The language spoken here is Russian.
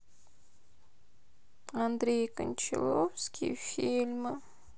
андрей кончаловский фильмы